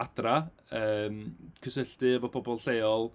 Adra yym cysylltu efo pobl lleol.